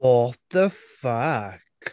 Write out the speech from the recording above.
What the fuck?